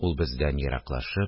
Ул бездән ераклашып,